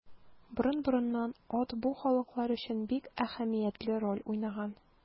Борын-борыннан ат бу халыклар өчен бик әһәмиятле роль уйнаган.